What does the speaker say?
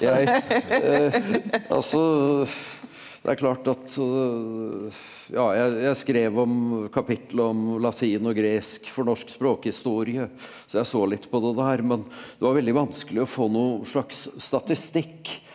altså det er klart at ja jeg skrev om kapittelet om latin og gresk for Norsk språkhistorie så jeg så litt på det der, men det var veldig vanskelig å få noe slags statistikk.